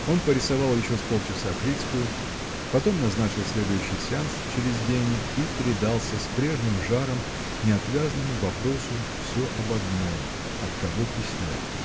Он порисовал еще с полчаса Крицкую, потом назначил следующий сеанс через день и предался с прежним жаром неотвязному вопросу всё об одном: от кого письмо?